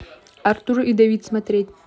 артур и давид смотреть